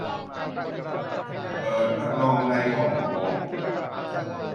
เปิดพัดลมในห้องโถง